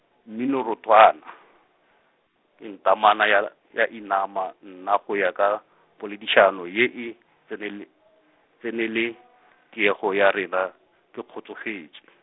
mminorathwana, keng, Temana ya , ya Inama nna go ya ka, poledišano ye e tsenele-, tseneletšego ya rena, ke kgotsofetše .